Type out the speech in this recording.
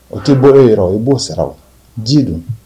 O ti bɔ e yɔrɔ i b'o sara o ji dun